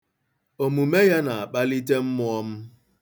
Omume ya na-akpalite mmụọ m.